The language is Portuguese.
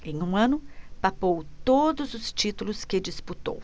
em um ano papou todos os títulos que disputou